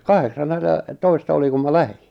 - kahdeksannellatoista olin kun minä lähdin